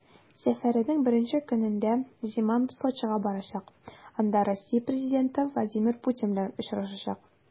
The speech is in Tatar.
Сәфәренең беренче көнендә Земан Сочига барачак, анда Россия президенты Владимир Путин белән очрашачак.